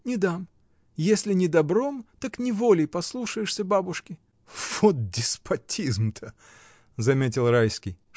— Не дам: если не добром, так неволей послушаешься бабушки! — Вот деспотизм-то! — заметил Райский.